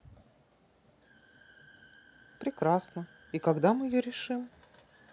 прекрасно и когда мы ее решим